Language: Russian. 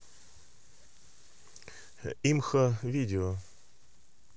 имхо видео